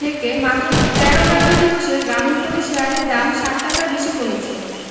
থেকে মাত্র ১৩ কার্যদিবসে গ্রামীণফোনের শেয়ারের দাম ৬০ টাকার বেশি কমেছে